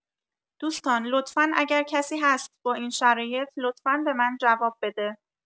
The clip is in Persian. دوستان لطفا اگر کسی هست با این شرایط لطفا به من جواب بده